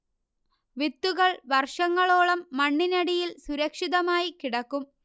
വിത്തുകൾ വർഷങ്ങളോളം മണ്ണിനടിയിൽ സുരക്ഷിതമായി കിടക്കും